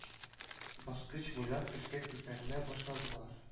Баскыч буйлап өскә күтәрелә башладылар